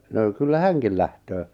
no kyllä hänkin lähtee